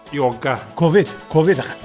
Ioga... Covid! Covid 'achan!